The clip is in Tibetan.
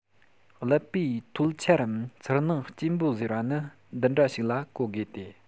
ཀླད པའི ཐོལ འཆར རམ ཚུར སྣང སྐྱེན པོ ཟེར བ ནི འདི འདྲ ཞིག ལ གོ དགོས ཏེ